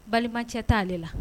Balimacɛ t taa ale la